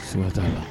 Sira t'a la